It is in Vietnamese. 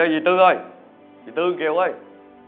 dì tư ơi dì tư kiều ơi